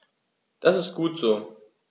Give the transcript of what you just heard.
Das ist gut so.